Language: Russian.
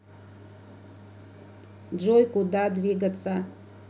джой куда двигайся